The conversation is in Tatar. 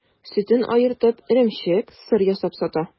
Сөтен аертып, эремчек, сыр ясап сата.